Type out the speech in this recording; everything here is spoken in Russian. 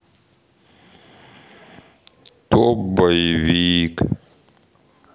топ боевик